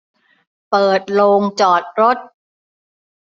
เปิดโรงจอดรถ